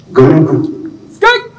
G se